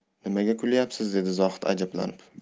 nimaga kulyapsiz dedi zohid ajablanib